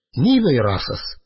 Ни боерасыз?